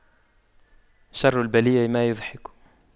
شر البلية ما يضحك